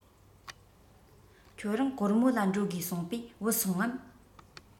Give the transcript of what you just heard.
ཁྱོད རང གོར མོ ལ འགྲོ དགོས གསུངས པས བུད སོང ངམ